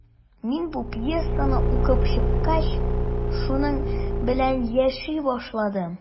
Мин бу пьесаны укып чыккач, шуның белән яши башладым.